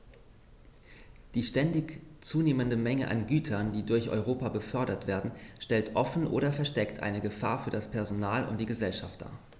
Die ständig zunehmende Menge an Gütern, die durch Europa befördert werden, stellt offen oder versteckt eine Gefahr für das Personal und die Gesellschaft dar.